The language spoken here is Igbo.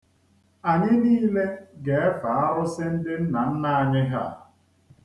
Anyị niile ga-efe arụsị ndị nna nna anyị ha.